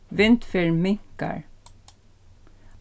vindferðin minkar